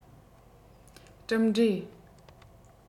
གྲུབ འབྲས